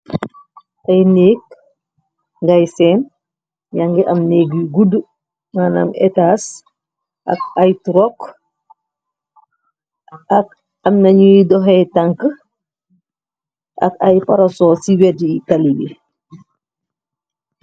Ay néek ngai seen, yangi am néek yu gudd, manam etas ak ay trook ak am nañuy doxee tank ak ay paroso ci weri tali bi.